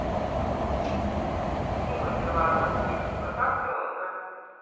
тима белорусских фотопленка